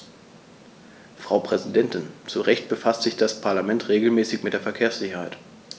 Frau Präsidentin, zu Recht befasst sich das Parlament regelmäßig mit der Verkehrssicherheit.